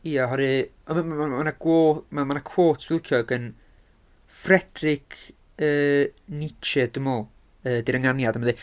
Ie, oherwydd, m- m- m- ma' 'na gwo-... ma' ma' 'na quote dwi'n licio gan Frederick yy Nietzsche, dwi'n meddwl, ydy'r ynganiad a ma'n deud...